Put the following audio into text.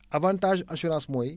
avantage assurance mooy